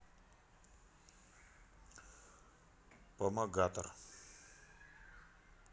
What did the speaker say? помогатор